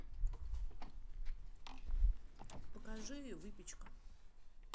покажи выпечка